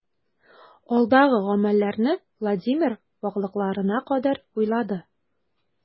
Алдагы гамәлләрне Владимир ваклыкларына кадәр уйлады.